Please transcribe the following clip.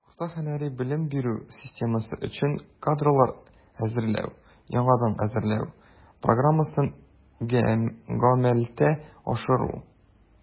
Урта һөнәри белем бирү системасы өчен кадрлар әзерләү (яңадан әзерләү) программасын гамәлгә ашыру.